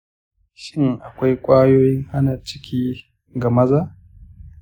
shin akwai kwayoyin hana ciki ga maza?